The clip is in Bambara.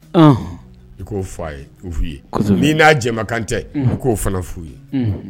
I'o fɔ a ye f' ye n'i n'a jɛ kan tɛ i k'o fana f' ye